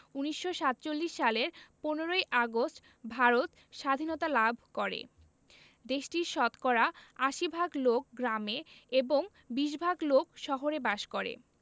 ১৯৪৭ সালের ১৫ ই আগস্ট ভারত সাধীনতা লাভ করে দেশটির শতকরা ৮০ ভাগ লোক গ্রামে এবং ২০ ভাগ লোক শহরে বাস করে